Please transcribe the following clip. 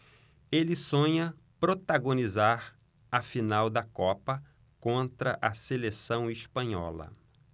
ele sonha protagonizar a final da copa contra a seleção espanhola